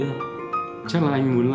chắc là anh